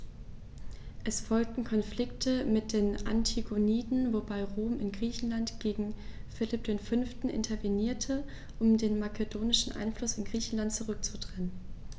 Es folgten Konflikte mit den Antigoniden, wobei Rom in Griechenland gegen Philipp V. intervenierte, um den makedonischen Einfluss in Griechenland zurückzudrängen.